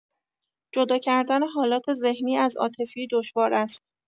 جداکردن حالات ذهنی از عاطفی دشوار است.